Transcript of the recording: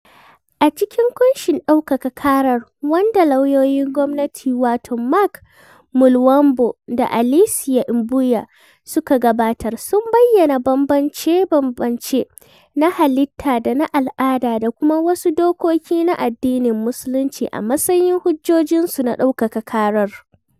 A cikin ƙunshin ɗaukaka ƙarar wanda lauyoyin gwamnati wato Mark Mulwambo da Alesia Mbuya suka gabatar, sun bayyana bambamce-bambamce na halitta da na al'ada da kuma wasu dokoki na addinin musulunci a matsayin hujjojinsu na ɗaukaka ƙarar.